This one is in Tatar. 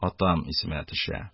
Атам исемә төшә